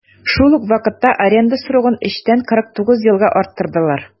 Шул ук вакытта аренда срогын 3 тән 49 елга арттырдылар.